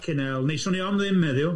Fuckin hell, wneswn i o am ddim heddiw.